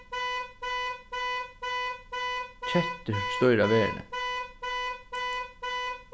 kettur stýra verðini